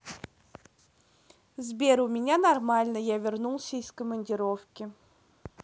сбер у меня нормально я вернулся из командировки